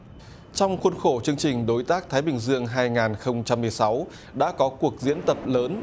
trong khuôn khổ chương trình đối tác thái bình dương hai ngàn không trăm mười sáu đã có cuộc diễn tập lớn